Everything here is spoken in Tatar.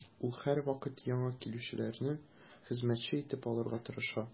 Ул һәрвакыт яңа килүчеләрне хезмәтче итеп алырга тырыша.